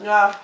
waaw